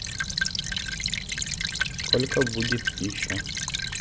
сколько будет пища